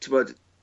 t'wbod